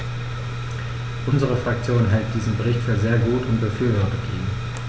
Unsere Fraktion hält diesen Bericht für sehr gut und befürwortet ihn.